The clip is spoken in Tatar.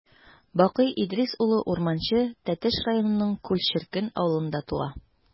Бакый Идрис улы Урманче Тәтеш районының Күл черкен авылында туа.